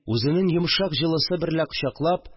Үзенең йомшак җылысы берлә кочаклап